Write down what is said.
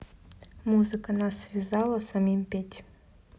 музыка нас связала самим петь